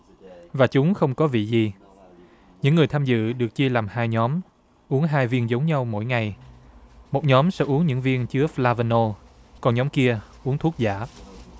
và chúng không có vị gì những người tham dự được chia làm hai nhóm uống hai viên giống nhau mỗi ngày một nhóm sẽ uống những viên chứa phờ la va nô còn nhóm kia uống thuốc giả